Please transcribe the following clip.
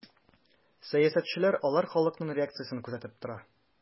Сәясәтчеләр алар халыкның реакциясен күзәтеп тора.